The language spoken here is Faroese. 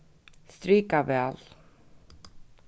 strika val